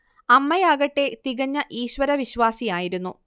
അമ്മയാകട്ടെ തികഞ്ഞ ഈശ്വരവിശ്വാസിയായിരുന്നു